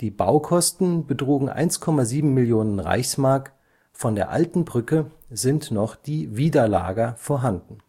Baukosten betrugen 1,7 Mio. Reichsmark, von der alten Brücke sind noch die Widerlager vorhanden